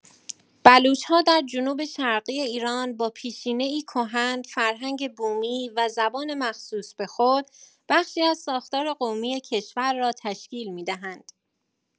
بلوچ‌ها در جنوب‌شرقی ایران با پیشینه‌ای کهن، فرهنگ بومی و زبان مخصوص به خود، بخشی از ساختار قومی کشور را تشکیل می‌دهند.